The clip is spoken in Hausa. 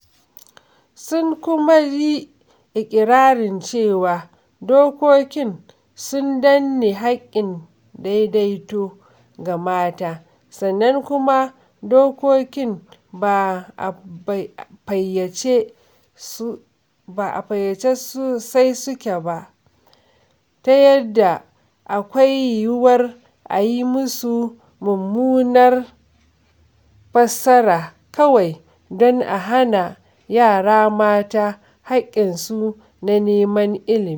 Sun kuma yi iƙirarin cewa dokokin sun danne haƙƙin daidaito ga mata, sannan kuma dokokin ba a fayyace su sosai ba ta yadda akwai yiwuwar a yi musu mummunar fassara kawai don a hana yara mata haƙƙinsu na neman ilimi.